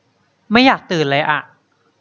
ไม่อยากตื่นเลยอะ